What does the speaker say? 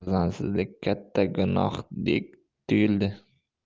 farzandsizlik katta gunohdek tuyuldi